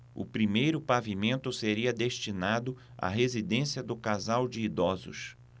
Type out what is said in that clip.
o primeiro pavimento seria destinado à residência do casal de idosos